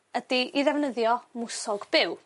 ydi i ddefnyddio mwsog byw